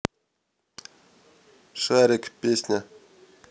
шарик песня